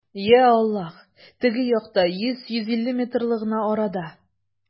Йа Аллаһ, теге якта, йөз, йөз илле метрлы гына арада!